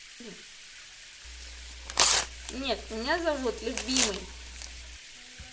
нет меня зовут любимый